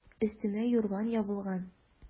Өстемә юрган ябылган.